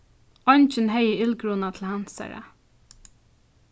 eingin hevði illgruna til hansara